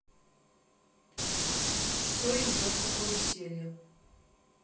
что идет по карусели